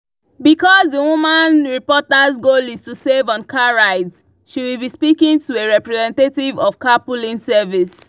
Because the woman reporter’s goal is to save on car rides, she will be speaking to a representative of a carpooling service